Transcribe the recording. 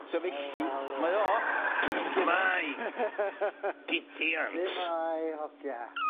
So felly mae o. O reit. My giddy aunt. Su' mae hogia?